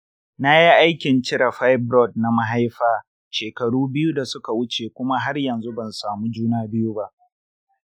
na yi aikin cire fibroid na mahaifa shekaru biyu da suka wuce kuma har yanzu ban samu juna biyu ba.